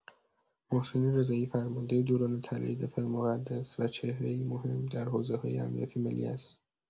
محسن رضایی فرمانده دوران طلایی دفاع مقدس و چهره‌ای مهم در حوزه‌های امنیت ملی است.